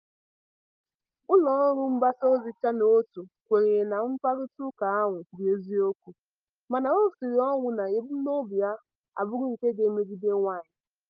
Ụlọọrụ mgbasaozi Channel One kwenyere na mkparịtaụka ahụ bụ eziokwu, mana o siri ọnwụ na ebumnobi ha abụghị nke na-emegide nwaanyị.